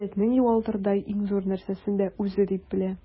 Милләтнең югалтырдай иң зур нәрсәсен дә үзе дип белә.